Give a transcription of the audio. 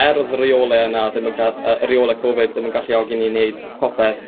er o'dd y reole 'na ddim yn ga- rheole Cofid ddim yn galluogi ni i neud popeth ond